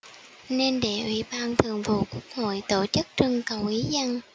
nên để ủy ban thường vụ quốc hội tổ chức trưng cầu ý dân